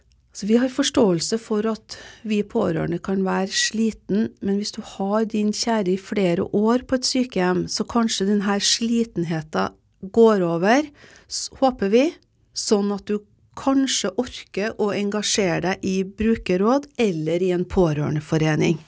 så vi har forståelse for at vi pårørende kan være sliten men hvis du har din kjære i flere år på et sykehjem så kanskje den her slitenheta går over håper vi sånn at du kanskje orker å engasjere deg i brukerråd eller i en pårørendeforening.